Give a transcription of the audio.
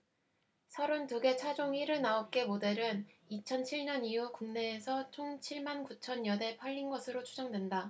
서른 두 개 차종 일흔 아홉 개 모델은 이천 칠 년 이후 국내에서 총 칠 만 구천 여대 팔린 것으로 추정된다